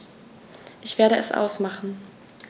Ich werde es ausmachen